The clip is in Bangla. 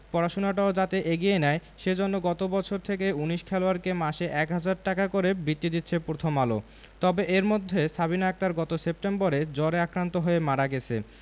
পড়াশোনাটাও যাতে এগিয়ে নেয় সে জন্য গত বছর থেকে ১৯ খেলোয়াড়কে মাসে ১ হাজার টাকা করে বৃত্তি দিচ্ছে প্রথম আলো তবে এর মধ্যে সাবিনা আক্তার গত সেপ্টেম্বরে জ্বরে আক্রান্ত হয়ে মারা গেছে